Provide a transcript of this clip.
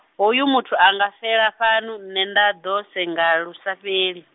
hoyu muthu anga fela fhano nṋe nda ḓo senga lusa fheli.